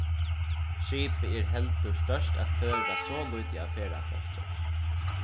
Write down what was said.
skipið er heldur stórt at føra so lítið av ferðafólki